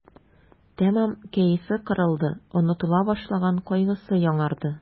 Тәмам кәефе кырылды, онытыла башлаган кайгысы яңарды.